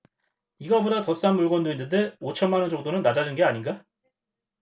이거보다 더 싼 물건도 있는데 오 천만 원 정도는 낮아진 게 아닌가